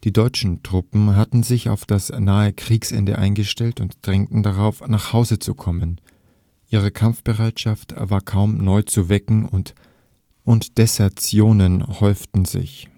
deutschen Truppen hatten sich auf das nahe Kriegsende eingestellt und drängten darauf, nach Hause zu kommen. Ihre Kampfbereitschaft war kaum neu zu wecken, und Desertionen häuften sich